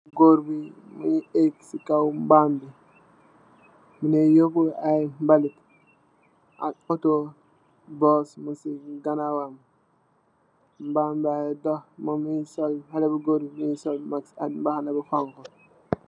Goor bi mu eek si kaw mbam bi munge yobuh aye mbalit ak autor bus mung si ganawam bi mbam bange dokh khaleh bu goor bi munge sul max ak mbakhana bu xhong khu